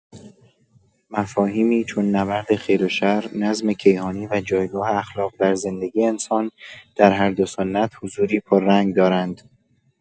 مفاهیمی چون نبرد خیر و شر، نظم کیهانی و جایگاه اخلاق در زندگی انسان، در هر دو سنت حضوری پررنگ دارند.